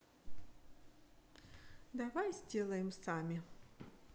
давай сделаем сами